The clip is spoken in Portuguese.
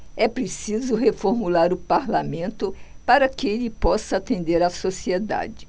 é preciso reformular o parlamento para que ele possa atender a sociedade